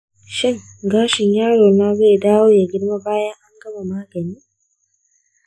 shin gashin yaro na zai dawo ya girma bayan an gama magani?